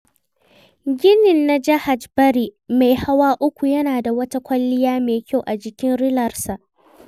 Ginin na "Jahaj Bari" mai hawa uku, yana da wata kwalliya mai kyau a jikin relarsa.